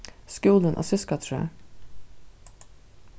skúlin á ziskatrøð